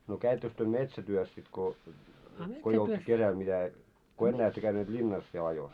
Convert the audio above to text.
no kävittekös te metsätyössä sitten kun kun ei ollut kesällä mitä kun enää ette käyneet linnassa siellä ajossa